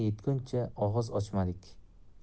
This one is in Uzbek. yetguncha og'iz ochmadik